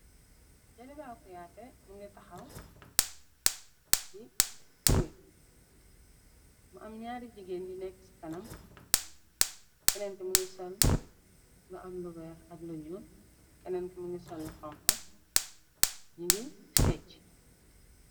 Jaliba ku yaate mu ngi taxaw di wee mu am ñaari jigéen yu nekk ci kanam keneenti mu ngi sol lu am luweer ak lonoon keneen ki mu ngi sol lu xonku ñi ngi fecc.